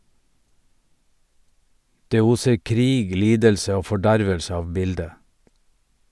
Det oser krig, lidelse og fordervelse av bildet.